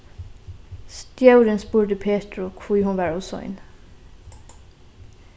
stjórin spurdi petru hví hon var ov sein